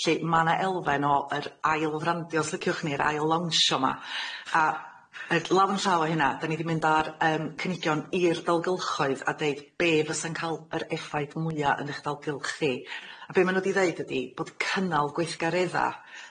Lly ma' 'na elfen o yr ail frandio os liciwch ni yr ail lawnsio 'ma a yy law yn llaw â hynna 'dan ni 'di mynd ar yym cynigion i'r dalgylchoedd a deud be' fysa'n ca'l yr effaith mwya yn eich dalgylch chi a be' ma' nw 'di ddeud ydi bod cynnal gweithgaredda'